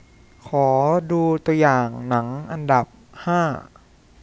ขอดูตัวอย่างหนังอันดับห้า